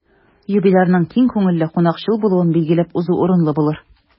Юбилярның киң күңелле, кунакчыл булуын билгеләп узу урынлы булыр.